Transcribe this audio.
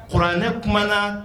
Kuranɛ tuma